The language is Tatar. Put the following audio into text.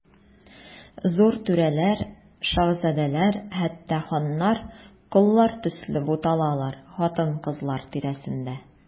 Зур түрәләр, шаһзадәләр, хәтта ханнар, коллар төсле буталалар хатын-кызлар тирәсендә.